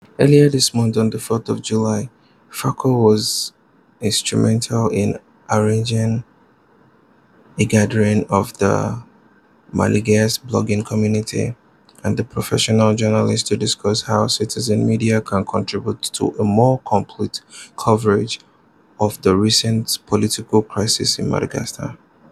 Earlier this month (on 4th of July) FOKO was instrumental in arranging a gathering of the Malagasy blogging community and the professional journalists to discuss how citizen media can contribute to a more complete coverage of the recent political crisis in Madagascar.